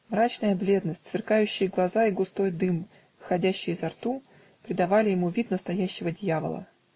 Мрачная бледность, сверкающие глаза и густой дым, выходящий изо рту, придавали ему вид настоящего дьявола.